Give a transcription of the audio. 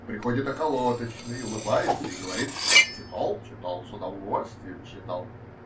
Приходит околоточный, улыбается и говорит: -- Читал, читал, с удовольствием читал.